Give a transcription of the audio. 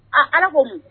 A ala ko mun